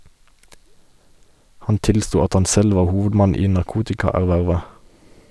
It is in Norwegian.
Han tilsto at han selv var hovedmann i narkotikaervervet.